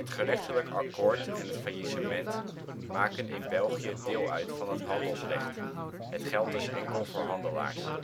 gerechtelijk akkoord en het faillissement maken in België deel uit van het handelsrecht; het geldt dus enkel voor handelaars